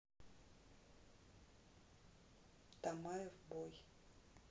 тамаев бой